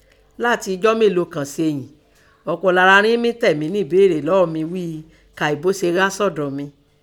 Láti ijọ́ mélòó kan seyìn, ọ̀pọ̀ lára rin in tẹ mí béèrè lọ́ọ́ mi ghíi Kàí boó se há sọ́dọ̀ mi?